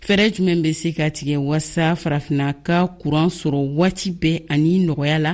fɛɛrɛ jumɛnw bɛ se ka tigɛ walasa farafinna ka kuran sɔrɔ waati bɛɛ ani nɔgɔya la